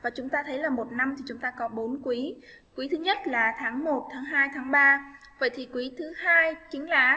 chúng ta thấy là chúng ta có bốn quý quý thứ nhất là tháng tháng tháng vậy thì quý thứ hai chính là